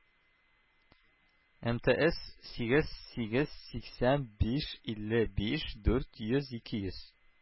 Мтыэс сигез сигез сиксән биш илле биш дүрт йөз ике йөз